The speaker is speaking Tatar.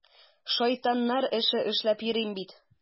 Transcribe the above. Шайтаннар эше эшләп йөрим бит!